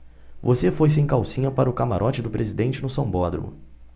você foi sem calcinha para o camarote do presidente no sambódromo